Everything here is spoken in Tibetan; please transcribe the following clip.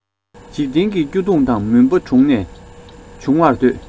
འཇིག རྟེན གྱི སྐྱོ གདུང དང མུན པ དྲུངས ནས དབྱུང བར འདོད